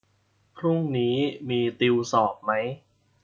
พรุ่งนี้มีติวสอบมั้ย